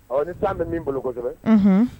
Ɔ ni taa bɛ min bolo kosɛbɛ